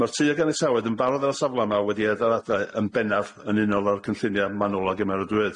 Ma'r tŷ a ganiatawyd yn barod ar y safle 'ma wedi ei adeiladau yn bennaf yn unol â'r cynllunia' manwl a gymeradwywyd.